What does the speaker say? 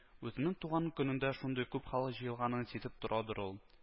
Үзенең туган көнендә шундый күп халык җыелганын сизеп торадыр ул